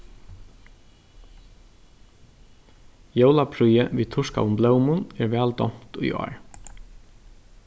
jólaprýði við turkaðum blómum er væl dámt í ár